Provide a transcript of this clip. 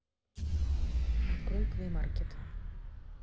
открыть плей маркет